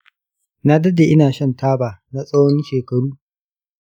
na daɗe ina cin taba na tsawon shekaru